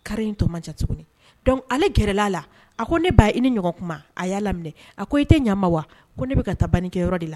Carré in tɔ man ca tugun, donc ale gɛrɛl'a la, a ko ne ba i ni ɲɔgɔn tuma, a y'a laminɛ, a ko i tɛ ɲɛ an ma wa ko ne bɛ ka taa bannikɛyɔrɔ de la